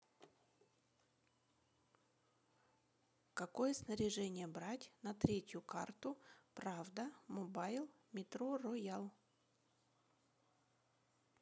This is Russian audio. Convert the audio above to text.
какое снаряжение брать на третью карту правда мобайл метро royal